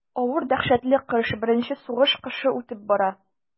Авыр дәһшәтле кыш, беренче сугыш кышы үтеп бара.